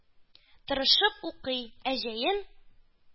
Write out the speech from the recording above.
Тырышып укый. Ә җәен